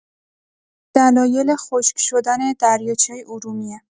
دلایل خشک‌شدن دریاچه ارومیه